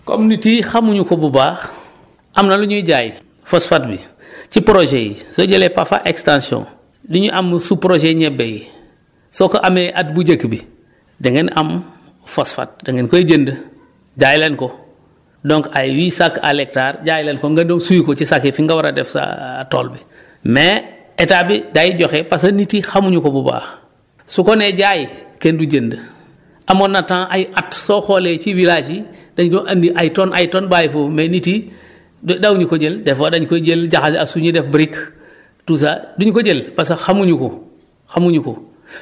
comme nit yi xamuñu ko bu baax am na lu ñuy jaay phosphate bi ci projets yi soo jëlee PAFA Extension li ñu am su projet ñebe yi soo ko amee at bu njëkk bi da ngeen am phosphate da ngeen koy jënd jaay leen ko donc ay huit sacs à l' hectare jaay leen ko nga daw suy ko ci sax yi fi nga war a def sa tool bi mais état bi day joxe parce que nit yi xamuñu ko bu baax su ko nee jaay kenn du jënd amoon na temps ay at soo xoolee ci village yi dañu doon andi ay tonnes ay tonnes bàyyi foofu mais nit yi daawuñu ko jël des fois dañ koy jël jaxase ak su énuy def brique tout ça duñ ko jël parce que xamuñu ko xamuñu ko